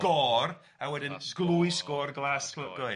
A wedyn 'Glwys-gor glas-goed'.